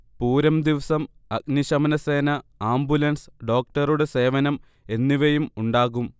പൂരം ദിവസം അഗ്നിശമനസേന, ആംബുലൻസ്, ഡോക്ടറുടെ സേവനം എന്നിവയും ഉണ്ടാകും